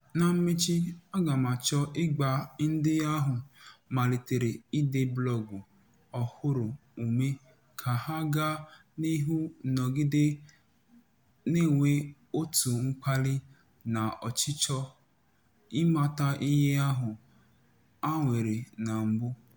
Na mmechi, aga m achọ ịgba ndị ahụ malitere ide blọọgụ ọhụrụ ụme ka ha gaa n'ihu nọgide na-enwe otu mkpali na ọchịchọ ịmata ihe ahụ ha nwere na mbụ.